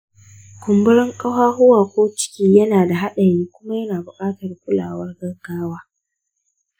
kumburin ƙafafu ko ciki yana da haɗari kuma yana buƙatar kulawar gaggawa.